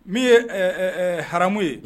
Min ye hamu ye